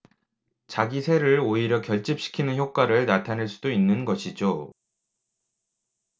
자기 세를 오히려 결집시키는 효과를 나타낼 수도 있는 것이죠